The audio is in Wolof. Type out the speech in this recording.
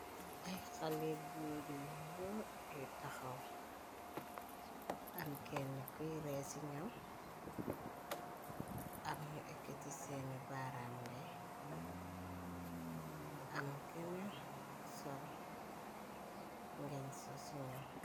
Ay xalee goor liñu yu taxaw am kenne kuy ree ci ñam am ñu ekkti seeni baaraam ndey am kenn ku sol ngenn so ci ñoom.